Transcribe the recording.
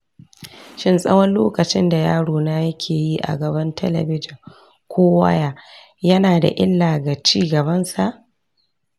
shin tsawon lokacin da yarona yake yi a gaban talabijin ko waya yana da illa ga ci gabansa?